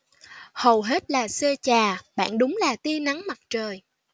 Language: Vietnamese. hầu hết là c chà bạn đúng là tia nắng mặt trời